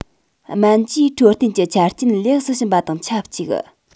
སྨན བཅོས འཕྲོད བསྟེན གྱི ཆ རྐྱེན ལེགས སུ ཕྱིན པ དང ཆབས ཅིག